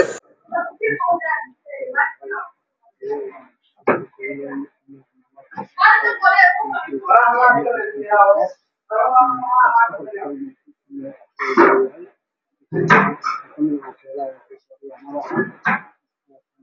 Meeshaan waa meel hol ah waxaa fadhiya niman ka shirayo waxayna wataan suud